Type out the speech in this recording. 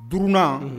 Duurununa